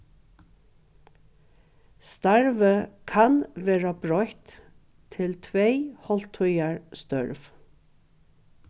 starvið kann verða broytt til tvey hálvtíðar størv